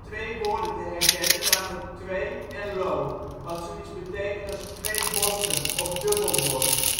twee woorden te herkennen namelijk " twee " en " loo ", wat zoiets betekent als twee bossen of dubbelbos.